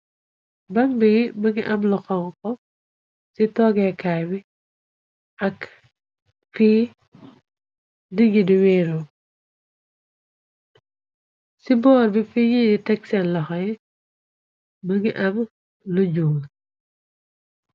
Bang bi bëngi am lu xonxo ci toggeekaay bi ak fi nityi di wéero ci boor bi fi yii teg seen loxee mëngi ame lu nuul.